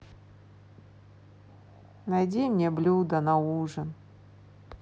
найди мне блюдо на ужин